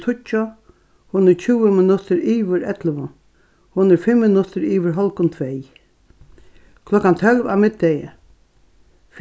tíggju hon er tjúgu minuttir yvir ellivu hon er fimm minuttir yvir hálvgum tvey klokkan tólv á middegi